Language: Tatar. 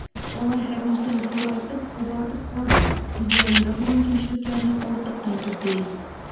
Алар һәрнәрсәне зурайтып, “кабартып” карый, үзләрендә булган кимчелекләрне артык тәнкыйтьли.